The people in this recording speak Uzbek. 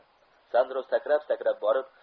sandro sakrab sakrab borib